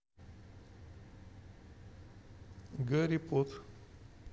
гарри пот